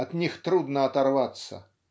от них трудно оторваться.